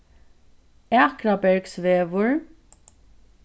akrabergsvegur